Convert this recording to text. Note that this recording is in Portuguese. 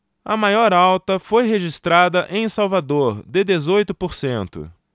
a maior alta foi registrada em salvador de dezoito por cento